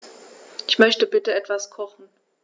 Ich möchte bitte etwas kochen.